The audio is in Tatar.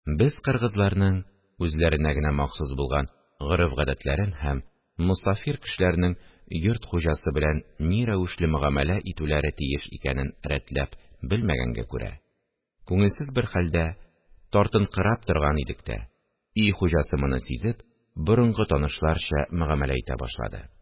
Без кыргызларның үзләренә генә махсус булган гореф-гадәтләре һәм мосафир кешеләрнең йорт хуҗасы белән ни рәвешле мөгамәлә итүләре тиеш икәнен рәтләп белмәгәнгә күрә, күңелсез бер хәлдә тартынкырап торган идек тә, өй хуҗасы, моны сизеп, борынгы танышларча мөгамәлә итә башлады